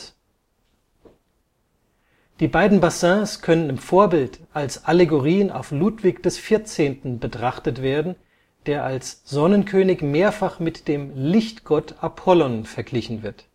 Die beiden Bassins können im Vorbild als Allegorien auf Ludwig XIV. betrachtet werden, der als Sonnenkönig mehrfach mit dem Lichtgott Apollon verglichen wird